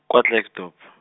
kwa Klerksdorp.